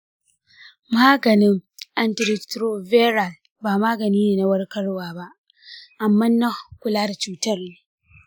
maganin antiretroviral ba magani ne na warkarwa ba, amma na kula da cutar ne.